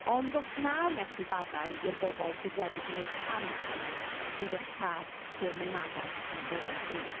Ond os na wnewch chi faddau i'r bobl sydd wedi gwneud cam â chi, fydd eich tad ddim yn maddau'ch pechodau chi.